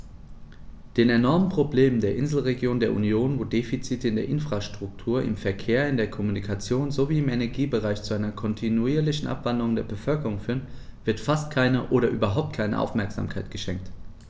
Den enormen Problemen der Inselregionen der Union, wo die Defizite in der Infrastruktur, im Verkehr, in der Kommunikation sowie im Energiebereich zu einer kontinuierlichen Abwanderung der Bevölkerung führen, wird fast keine oder überhaupt keine Aufmerksamkeit geschenkt.